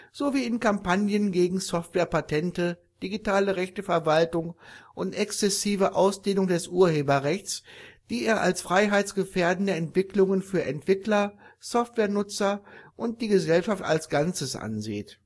sowie in Kampagnen gegen Softwarepatente, Digitale Rechteverwaltung und exzessive Ausdehnung des Urheberrechts, die er als freiheits-gefährdende Entwicklungen für Entwickler, Softwarenutzer und die Gesellschaft als Ganzes ansieht